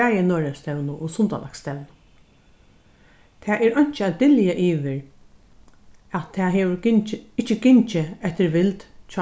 bæði norðoyastevnu og sundalagsstevnu tað er einki at dylja yvir at tað hevur gingið ikki gingið eftir vild